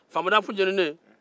faama da futeninen